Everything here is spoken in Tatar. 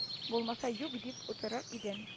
Булмаса юк дип утырыр идең